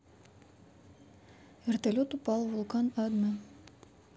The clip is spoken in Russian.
вертолет упал в вулкан adme